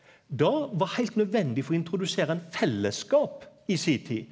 det var heilt nødvendig for å introdusere ein fellesskap i si tid.